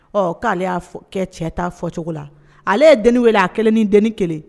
Ɔ k'ale y'a f kɛ cɛ ta fɔcogo la ale ye denni weele a 1 ni denni 1